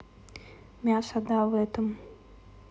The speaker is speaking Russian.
мясо да в этом